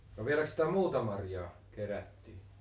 no vieläkös sitä muuta marjaa kerättiin